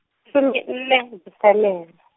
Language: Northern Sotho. some nne, Desemere.